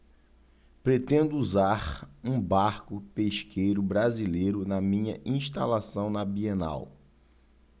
pretendo usar um barco pesqueiro brasileiro na minha instalação na bienal